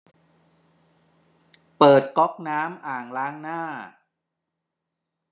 เปิดก็อกน้ำอ่างล้างหน้า